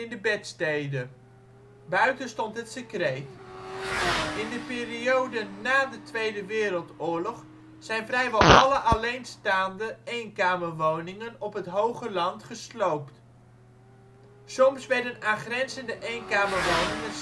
de bedstede. Buiten stond het secreet. In de periode na de Tweede Wereldoorlog zijn vrijwel alle alleenstaande eenkamerwoningen op het Hogeland gesloopt. Soms werden aangrenzende eenkamerwoningen